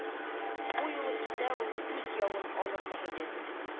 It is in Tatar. Бу юлы исә ул күз явын алырлык иде